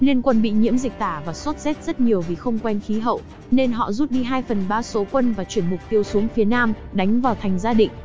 liên quân bị nhiễm dịch tả và sốt rét rất nhiều vì không quen khí hậu nên họ rút đi phần số quân và chuyển mục tiêu xuống phía nam đánh vào thành gia định